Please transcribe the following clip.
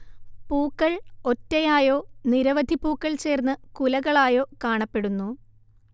പൂക്കൾ ഒറ്റയായോ നിരവധി പൂക്കൾ ചേർന്ന് കുലകളായോ കാണപ്പെടുന്നു